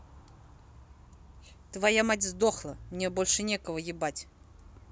твоя мать сдохла мне некого больше ебать